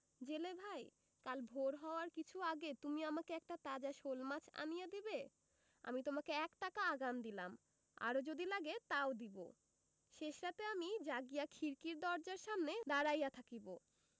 জেলে ভাই কাল ভোর হওয়ার কিছু আগে তুমি আমাকে একটি তাজা শোলমাছ আনিয়া দিবে আমি তোমাকে এক টাকা আগাম দিলাম আরও যদি লাগে তাও দিব শেষ রাতে আমি জাগিয়া খিড়কির দরজার সামনে দাঁড়াইয়া থাকিব